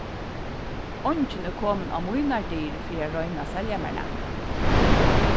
eingin er komin á mínar dyr fyri at royna at selja mær nakað